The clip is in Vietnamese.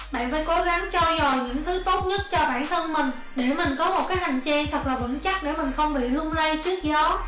bạn phải cố gắng trau dồi những thứ tốt nhất cho bản thân mình để mình có một hành trang thật là vững chắc để mình không bị lung lay trước gió